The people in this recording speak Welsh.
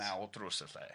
Naw drws y lle.